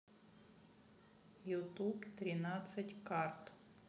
ютуб тринадцать карт